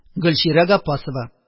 «гөлчирә габбасова,